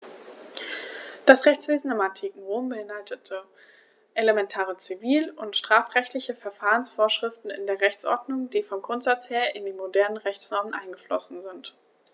Das Rechtswesen im antiken Rom beinhaltete elementare zivil- und strafrechtliche Verfahrensvorschriften in der Rechtsordnung, die vom Grundsatz her in die modernen Rechtsnormen eingeflossen sind.